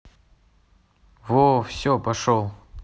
во все пошел